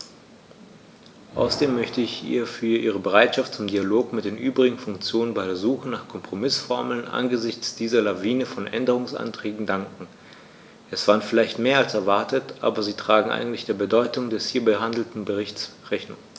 Außerdem möchte ich ihr für ihre Bereitschaft zum Dialog mit den übrigen Fraktionen bei der Suche nach Kompromißformeln angesichts dieser Lawine von Änderungsanträgen danken; es waren vielleicht mehr als erwartet, aber sie tragen eigentlich der Bedeutung des hier behandelten Berichts Rechnung.